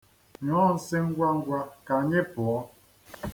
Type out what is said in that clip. Nyụọ nsị ngwa ngwa ka anyị pụọ.